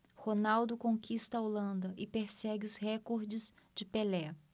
ronaldo conquista a holanda e persegue os recordes de pelé